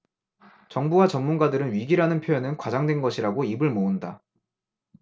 정부와 전문가들은 위기라는 표현은 과장된 것이라고 입을 모은다